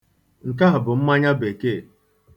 Nke a bụ mmanya bekee.